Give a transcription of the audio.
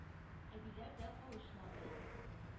Әбиләр дә калышмады.